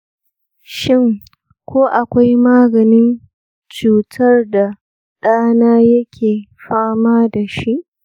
shin ko akwai maganin cutar da ɗa na yake fama da shi?